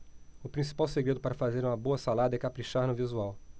o principal segredo para fazer uma boa salada é caprichar no visual